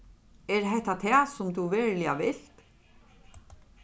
er hetta tað sum tú veruliga vilt